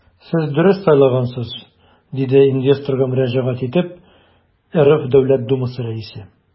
Сез дөрес сайлагансыз, - диде инвесторга мөрәҗәгать итеп РФ Дәүләт Думасы Рәисе.